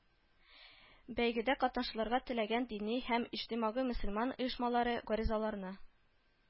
Бәйгедә катнашырга теләгән дини һәм иҗтимагый мөселман оешмалары гаризаларны